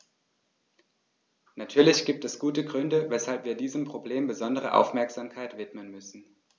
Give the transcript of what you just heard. Natürlich gibt es gute Gründe, weshalb wir diesem Problem besondere Aufmerksamkeit widmen müssen.